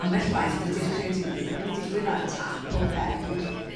Ambell waith dydy'r creadigrwydd ddim yn digwydd ar tâp o fewn